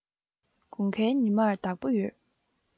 དགུན ཁའི ཉི མར བདག པོ ཡོད